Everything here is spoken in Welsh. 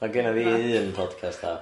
Ma' genna fi un podcast app.